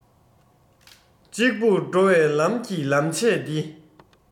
གཅིག པུར འགྲོ བའི ལམ གྱི ལམ ཆས འདི